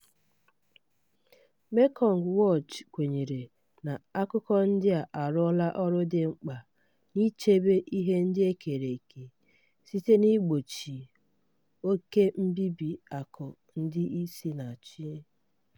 Mekong Watch kwenyere na akụkọ ndị a "arụọla ọrụ dị mkpa n' ichebe ihe ndị e kere eke site n'igbochi oke mbibi akụ ndị si na chi".